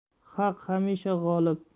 haq hamisha g'olib